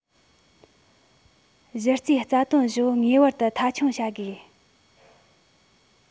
གཞི རྩའི རྩ དོན བཞི པོ ངེས པར དུ མཐའ འཁྱོངས བྱ དགོས